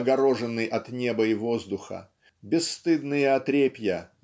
огороженный от неба и воздуха бесстыдные отрепья